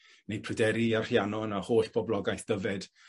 Neu Pryderi a Rhiannon a holl boblogaeth Dyfed